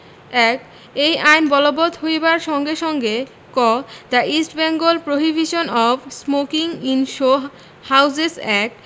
১ এই আইন বলবৎ হইবার সংগে সংগে ক the East Bengal prohibition of smoking in show houses act